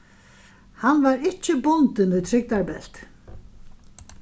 hann var ikki bundin í trygdarbelti